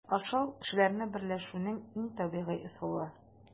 Ашау - кешеләрне берләшүнең иң табигый ысулы.